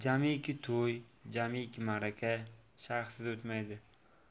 jamiki to'y jamiki maraka shayxsiz o'tmaydi